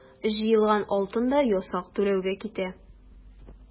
Җыелган алтын да ясак түләүгә китә.